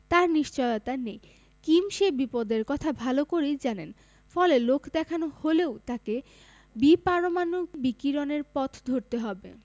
তার নিশ্চয়তা নেই কিম সে বিপদের কথা ভালো করেই জানেন ফলে লোকদেখানো হলেও তাঁকে বিপারমাণবিকীরণের পথ ধরতে হবে